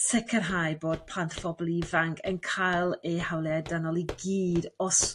sicrhau bod plant a phobl ifanc yn ca'l eu hawlia' dynol i gyd os